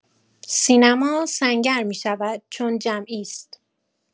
سینما سنگر می‌شود چون جمعی است.